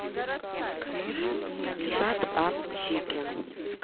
шат ап чикен